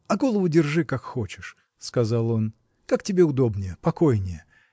— А голову держи как хочешь, — сказал он, — как тебе удобнее, покойнее.